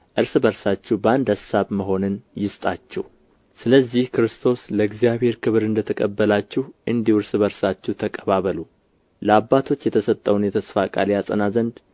እርስ በርሳችሁ በአንድ አሳብ መሆንን ይስጣችሁ ስለዚህ ክርስቶስ ለእግዚአብሔር ክብር እንደ ተቀበላችሁ እንዲሁ እርስ በርሳችሁ ተቀባበሉ ለአባቶች የተሰጠውን የተስፋ ቃል ያጸና ዘንድ